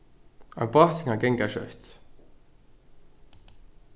ein bátur kann ganga skjótt